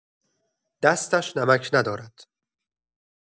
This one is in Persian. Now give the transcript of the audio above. دستش نمک ندارد